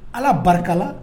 Ala barika